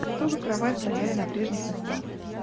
стол и кровать стояли на прежних местах